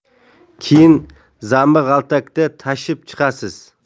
keyin zambilg'altakda tashib chiqasiz